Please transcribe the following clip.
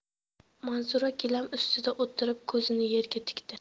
manzura gilam ustiga o'tirib ko'zini yerga tikdi